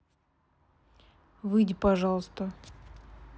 выйди пожалуйста